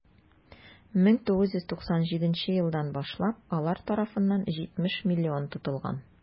1997 елдан башлап алар тарафыннан 70 млн тотылган.